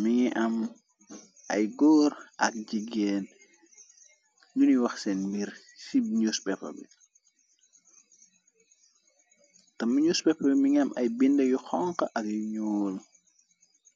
mu ngi amme góor ak jigéen ñunuy wax seen mbir ci newspeper bi te mi newspepar bi mi ngi am ay binda yu xonku ak yu ñyuul .